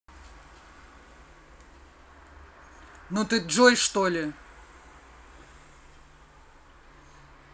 ну ты джой что ли